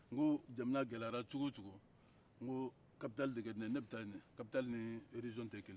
n ko jamana gɛlɛyara cogo o cogo n ko faaba de ka di n ye ne bɛ taa yen de faaba ni marabolo tɛ kelen ye